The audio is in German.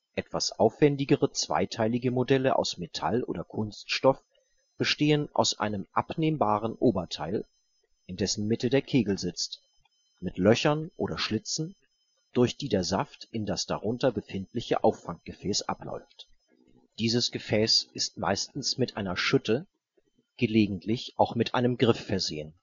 Etwas aufwändigere zweiteilige Modelle aus Metall oder Kunststoff bestehen aus einem abnehmbaren Oberteil, in dessen Mitte der Kegel sitzt, mit Löchern oder Schlitzen, durch die der Saft in das darunter befindliche Auffanggefäß abläuft. Dieses Gefäß ist meistens mit einer Schütte, gelegentlich auch mit einem Griff versehen